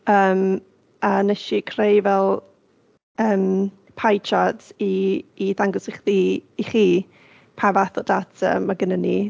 Ymm, a wnes i creu fel yym pie charts i i ddangos i chdi... i chi pa fath o data ma' gynnon ni.